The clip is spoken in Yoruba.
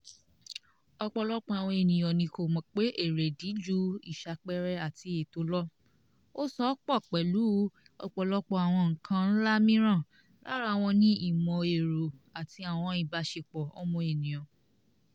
Ọ̀pọ̀lọpọ̀ àwọn ènìyàn ní kò mọ̀ pé èrèdí ju ìṣàpẹẹrẹ àti ètò lọ - ó so pọ̀ pẹ̀lú ọ̀pọ̀lọpọ̀ àwọn nǹkan ńlá míràn, lára wọn ni ìmọ̀ ẹ̀rọ àti àwọn ìbáṣepọ̀ ọmọnìyàn.